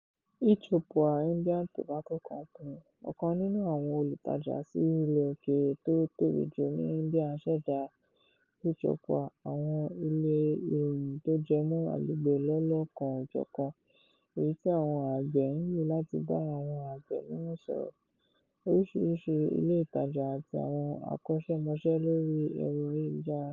eChoupal Indian Tobacco Company, ọ̀kan nínú àwọn olùtajà sí ilẹ̀ okèèrè tó tóbi jù ní Indian ṣẹ̀da eChoupal, àwọn ilé iroyìn tó jẹ mọ́ agbègbè lọ́lọ́kan-ò-jọ̀kan èyì tí àwọn àgbẹ̀ ń lò láti bá awọ̀n àgbẹ̀ míràn sọ̀rọ̀, oríṣiríṣi ilé ìtajà àti àwọn akọ́ṣẹ́mọsẹ́ lórí ẹ̀rọ ayélujára.